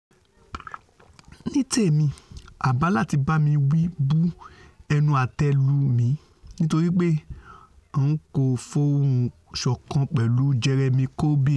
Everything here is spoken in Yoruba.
Nítèmi, àbá láti bámi wi bú ẹnu àtẹ́ lù mi nítorípe N ko fohùnṣọ̀kan pẹ̀lú Jeremy Corbyn.